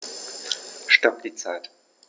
Stopp die Zeit